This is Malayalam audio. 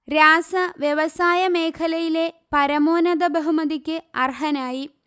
രാസ വ്യവസായ മേഖലയിലെ പരമോന്നത ബഹുമതിക്ക് അർഹനായി